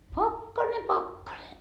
pakkanen pakkanen